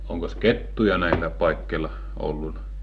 onkos kettuja näillä paikkeilla ollut